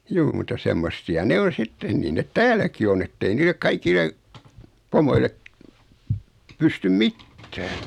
juu mutta semmoisia ne on sitten niin ne täälläkin on että ei niille kaikille pomoille pysty mitään